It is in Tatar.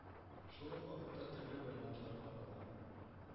Шул ук вакытта төрле вариантлар карала